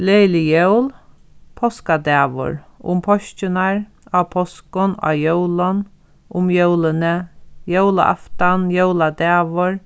gleðilig jól páskadagur um páskirnar á páskum á jólum um jólini jólaaftan jóladagur